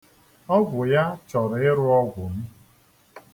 Ọgwụ ya chọrọ ịrụ ọgwụ m.